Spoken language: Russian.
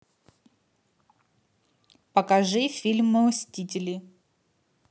покажи фильм мстители